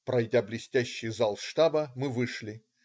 Пройдя блестящий зал штаба, мы вышли.